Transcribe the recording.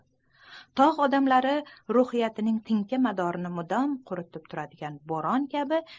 tog odamlarining tinka madorini mudom quritib turadigan boron bolgani kabi